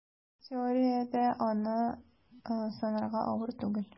Теориядә аны санарга авыр түгел: